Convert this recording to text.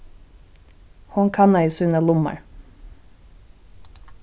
hon kannaði sínar lummar